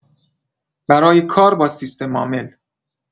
برای کار با سیستم‌عامل